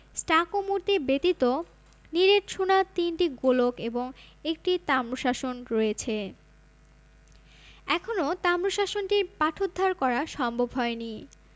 stucco মূর্তি ব্যতীত নিরেট সোনার তিনটি গোলক এবং একটি তাম্রশাসন রয়েছে এখনও তাম্রশাসনটির পাঠোদ্ধার করা সম্ভব হয়নি